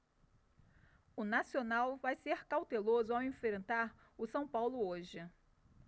o nacional vai ser cauteloso ao enfrentar o são paulo hoje